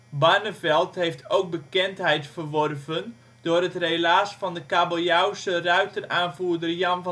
Barneveld heeft ook bekendheid verworven door het relaas van de Kabeljauwse ruiteraanvoerder Jan